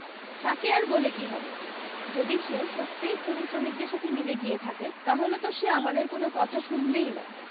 তাকে আর বলে কী হবে যদি সে সত্যিই খনিশ্রমিকদের সাথে মিলে গিয়ে থাকে তাহলে তো সে আমাদের কোনো কথা শুনবেই না